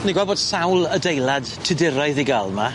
Ni'n gweld bod sawl adeilad tuduraidd i ga'l 'ma.